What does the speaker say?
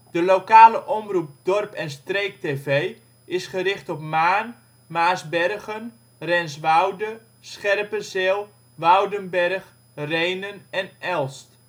De lokale omroep Dorp en streek tv, is gericht op Maarn, Maarsbergen, Renswoude, Scherpenzeel, Woudenberg, Rhenen en Elst